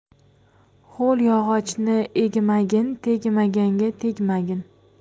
ho'l yog'ochni egmagin tegmaganga tegmagin